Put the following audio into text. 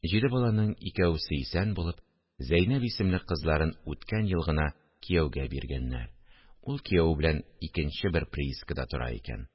Җиде баланың икәвесе исән булып, Зәйнәп исемле кызларын үткән ел гына кияүгә биргәннәр, ул кияве белән икенче бер приискада тора икән